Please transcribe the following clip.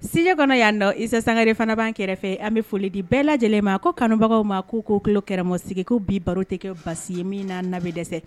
Studio kɔnɔ yan nɔn Isa sangare fana bɛ an kɛrɛfɛ . An bɛ foli di bɛɛ lajɛlen ma. Ko kanubagaw ma ku ko kilokɛmasigi. Ko bi baro tɛ kɛ basi ye min nan bɛ dɛsɛ.